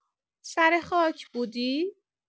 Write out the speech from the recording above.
سر خاک بودی؟